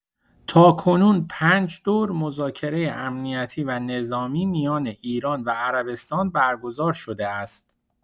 تاکنون ۵ دور مذاکره امنیتی و نظامی میان ایران و عربستان برگزار شده است.